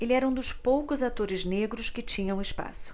ele era um dos poucos atores negros que tinham espaço